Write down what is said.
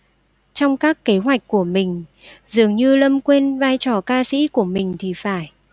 trong các kế hoạch của mình dường như lâm quên vai trò ca sĩ của mình thì phải